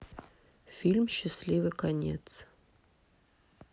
фильм счастливый конец